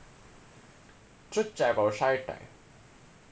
tríggjar vóru særdar